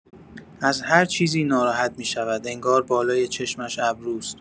از هر چیزی ناراحت می‌شود، انگار بالای چشمش ابروست!